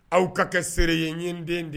Aw ka kɛ seere ye ɲɛden de ye